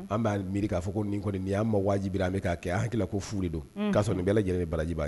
An b'a mi k'a fɔ ko ni kɔni' ma wajibi an bɛ k' kɛ an hakilila ko fu don k kaa sɔrɔ nin bɛɛ lajɛlen baraji ye